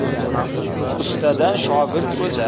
ustadan shogird o'zar